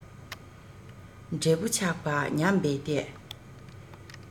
འབྲས བུ ཆགས པ ཉམས པའི ལྟས